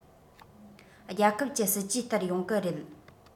རྒྱལ ཁབ ཀྱི སྲིད ཇུས ལྟར ཡོང གི རེད